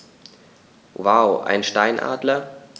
Wow! Einen Steinadler?